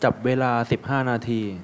จับเวลาสิบห้านาที